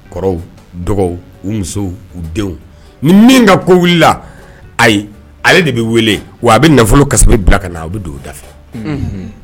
Kɔrɔw dɔgɔw u musow u denw ni min ka ko wili ayi ale de bɛ wele wa a bɛ nafolo ka bila ka na a bɛ don da